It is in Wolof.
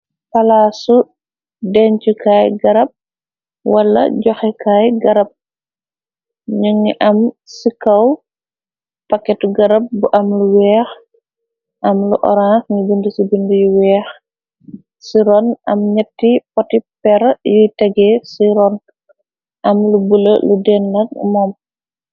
Palaasu denchukaay garab wala joxekaay garab ñu ngi am ci kaw paketu garab bu am lu weex am lu orange ni bind ci bind yu weex ci ron am ñetti poti per yuy tegee ci ron am lu bule lu den na moom.